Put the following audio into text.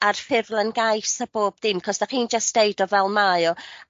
ar ffurflen gais a bob dim 'c'os 'dach chi'n jys deud o fel mae o